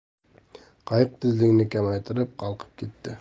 qayiq tezligini kamaytirib qalqib ketdi